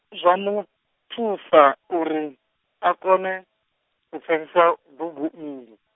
zwa mu, thusa uri, a kone, u pfesesa bugu iyi.